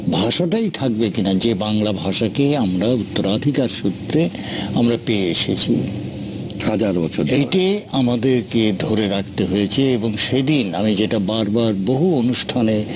নাই ভাষাটাই থাকবে কিনা যে বাংলা ভাষা কে আমরা উত্তরাধিকার সূত্রে আমরা পেয়ে এসেছি হাজার বছর ধরে এটি আমাদেরকে ধরে রাখতে হয়েছে এবং সেদিন আমি যেটা বারবার বহু অনুষ্ঠানে